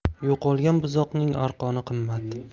yo'qolgan buzoqning arqoni qimmat